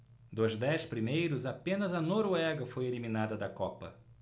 dos dez primeiros apenas a noruega foi eliminada da copa